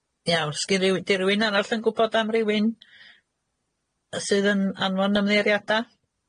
Iawn, sgin ryw- 'di rywun arall yn gwbod am rywun yy sydd yn yn anfon ymddiheuriada?